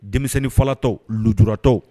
Denmisɛnninfatɔ jularatɔ